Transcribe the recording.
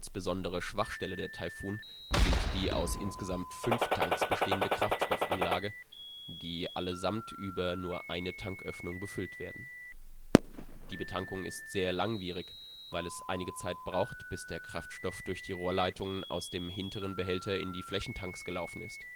besondere Schwachstelle der „ Taifun “gilt die aus insgesamt fünf Tanks bestehende Kraftstoffanlage, die allesamt über nur eine Tanköffnung befüllt werden. Die Betankung ist sehr langwierig, weil es einige Zeit braucht, bis der Kraftstoff durch die Rohrleitungen aus dem hinteren Behälter in die Flächentanks gelaufen ist